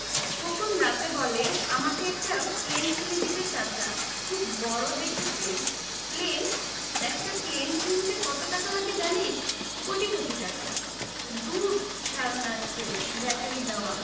খোকন রাতে বলে আমাকে একটা প্লেন কিনে দিবে চাচা খুব বড় দেখে প্লেন প্লেন একটা প্লেন কিনতে কত টাকা লাগে জানিস কোটি কোটি টাকা দূর খেলনার প্লেন ব্যাটারি দেয়া